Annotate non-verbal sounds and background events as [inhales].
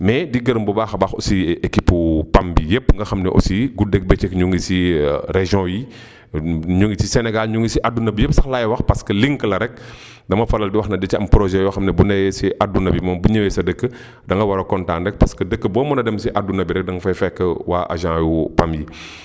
mais di gërëm bu baax a baax aussi équipe bu PAM bi yépp nga xam ne aussi guddeeg bëccëg ñu ngi si [hesitation] région yi [breath] [hesitation] ñu ngi si Sénégal ñu ngi si àdduna bi yépp sax laay wax parce que link la rekk [breath] dama faral di wax ne da cee am projet yoo xam ne bu nu yeggsee àdduna bi moom bu ñëwee sa dëkk [inhales] da nga war a kontaan rekk parce que dëkk boo mën a dem si àdduna bi rekk da nga fay fekk waa agent wu PAM yi [breath]